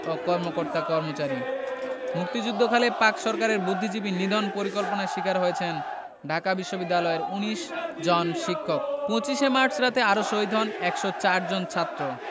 ও কর্মকর্তা কর্মচারী মুক্তিযুদ্ধকালে পাক সরকারের বুদ্ধিজীবী নিধন পরিকল্পনার শিকার হয়েছেন ঢাকা বিশ্ববিদ্যালয়ের ১৯ জন শিক্ষক ২৫ মার্চ রাতে আরো শহীদ হন ১০৪ জন ছাত্র